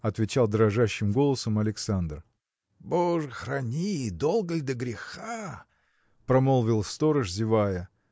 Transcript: – отвечал дрожащим голосом Александр. – Боже храни! долго ль до греха? – промолвил сторож зевая